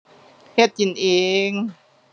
เฮ็ดกินเอง